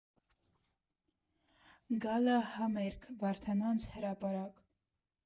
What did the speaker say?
ԳԱԼԱ ՀԱՄԵՐԳ Վարդանանց հրապարակ։